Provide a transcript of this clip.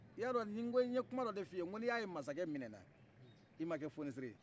i ya dɔn nye kuma dɔ f'iy nko n'iya ye masakɛ minɛna i ma kɛ fɔnisire ye